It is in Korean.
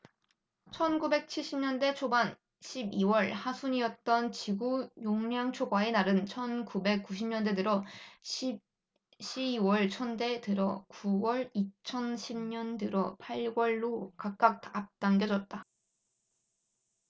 천 구백 칠십 년대 초반 십 이 월 하순이었던 지구 용량 초과의 날은 천 구백 구십 년대 들어 시 월 이천 년대 들어 구 월 이천 십 년대 들어 팔 월로 각각 앞당겨졌다